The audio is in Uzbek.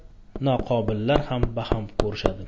noqobillar xam baxam ko'rishadi